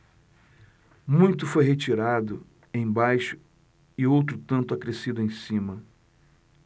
muito foi retirado embaixo e outro tanto acrescido em cima